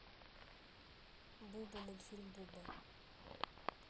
буба мультфильм буба